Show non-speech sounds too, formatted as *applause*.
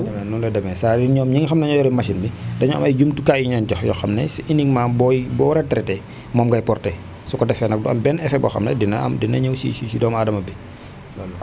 voilà noonu la demee saa yu ñoom ñi nga xam ne ñoo yore machine bi dañoo am ay jumtukaay yu ñu leen jox yoo xam ne c' est uniquement booy boo war a traité moom ngay porté su ko defee nag du am benn effet boo xam ne dina am dina ñëw si si si doomu aadama bi *noise* voilà